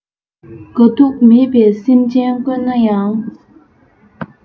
དགའ སྡུག མེད པའི སེམས ཅན དཀོན ན ཡང